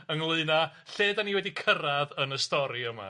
Ynglŷn â lle 'dyn ni wedi cyrradd yn y stori yma?